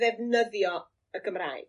ddefnyddio y Gymraeg?